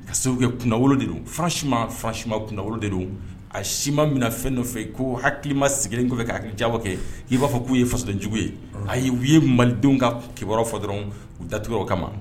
Ka sababu kɛ kunnawolo de don franchement franchement kunnawolo de don a sii ma minɛ fɛn nɔfɛ koo hakili ma sigilen kɔfɛ ka hakilijagabɔ kɛ k'i ba fɔ k'u ye fasodenjugu ye ayi u ye malidenw ka kibaruyaw fɔ dɔrɔɔn u datugura o kama